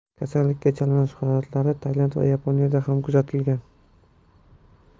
kasallikka chalinish holatlari tailand va yaponiyada ham kuzatilgan